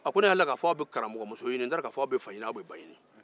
a ko ne hakili la aw be karamɔgɔ muso ɲini n t'a aw dɔn aw be ni ba ɲini